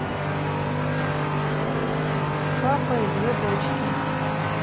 папа и две дочки